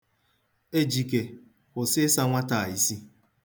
Ejike, kwụsị ịsa nwata a isi.